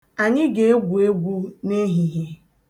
Anyị ga-egwu egwu n'ehihie.